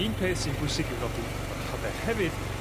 un peth sy'n bwysig i'w nodi am yr hade hefyd